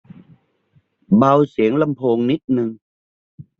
เบาเสียงลำโพงนิดนึง